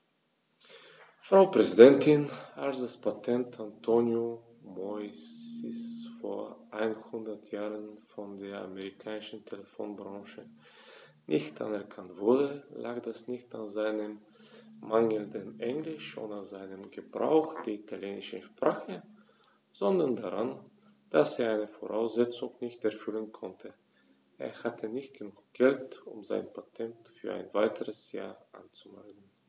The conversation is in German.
Frau Präsidentin, als das Patent Antonio Meuccis vor einhundert Jahren von der amerikanischen Telefonbranche nicht anerkannt wurde, lag das nicht an seinem mangelnden Englisch oder seinem Gebrauch der italienischen Sprache, sondern daran, dass er eine Voraussetzung nicht erfüllen konnte: Er hatte nicht genug Geld, um sein Patent für ein weiteres Jahr anzumelden.